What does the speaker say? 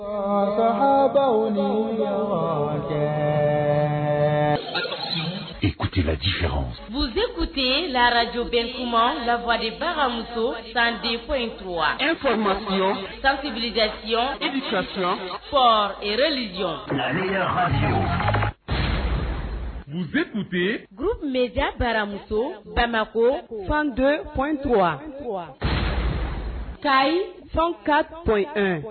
I donsozeku ten yen laj bɛ kuma labagamuso san ko intu wa efamasi sanbijatiyɔn e bɛ sonti fɔ ereli jɔ donsoe tun bɛ g bɛdiya baramuso banako fan don ko intu wa ayi fɛn ka p